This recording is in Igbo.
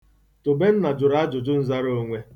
Tobenna juru ajụjụnzaraonwe.